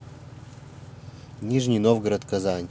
нижний новгород казань